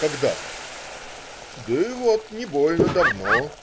Когда?"- "Да вот не больно давно.